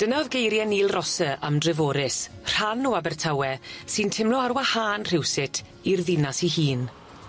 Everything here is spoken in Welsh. Dyna o'dd geirie Neil Rosser am Dreforys, rhan o Abertawe sy'n timlo ar wahân rhywsut i'r ddinas 'i hun.